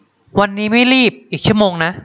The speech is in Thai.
วันนี้ไม่รีบอีกชั่วโมงนะ